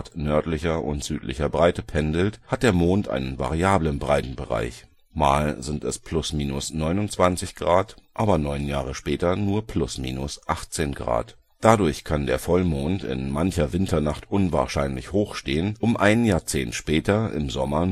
nördlicher und südlicher Breite pendelt, hat der Mond einen variablen Breitenbereich: mal sind es +/- 29°, aber 9 Jahre später nur +/- 18°. Dadurch kann der Vollmond in mancher Winternacht unwahrscheinlich hoch stehen, um ein Jahrzehnt später im Sommer